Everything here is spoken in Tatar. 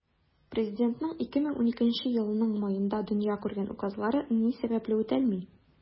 Президентның 2012 елның маенда дөнья күргән указлары ни сәбәпле үтәлми?